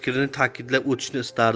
fikrni ta'kidlab o'tishni istardim